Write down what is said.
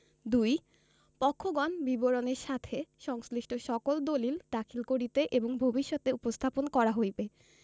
২ পক্ষগণ বিবরণের সাথে সংশ্লিষ্ট সকল দলিল দাখিল করিতে এবং ভবিষ্যতে উপস্থাপন করা হইবে